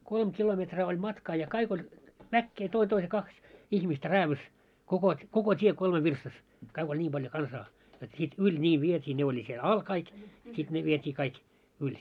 kolme kilometriä oli matkaa ja kaikki oli väkeä toinen toisen kaksi ihmistä räädyssä - koko tie kolme virstassa kaikki oli niin paljon kansaa jotta sitten yli niin vietiin ne oli siellä alla kaikki sitten ne vietiin kaikki yli